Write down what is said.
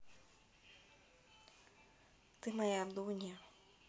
ты моя дунья